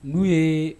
N'u ye